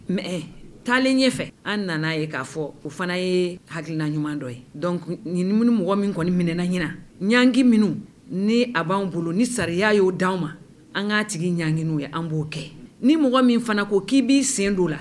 Mɛ taalen ɲɛ fɛ an nana ye k'a fɔ o fana ye hakiliina ɲuman dɔ yec ɲin mɔgɔ min kɔni minɛnɛna ɲin ɲki minnu ni a b'an bolo ni sariya y ye'o di'anw ma an k'a tigi ɲgininw ye an b'o kɛ ni mɔgɔ min fana ko k'i b'i sen don la